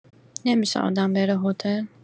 نمی‌شه آدم بره هتل؟